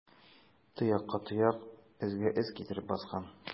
Тоякка тояк, эзгә эз китереп баскан.